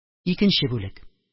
2 бүлек